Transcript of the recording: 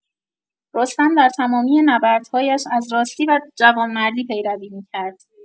رستم در تمامی نبردهایش از راستی و جوانمردی پیروی می‌کرد.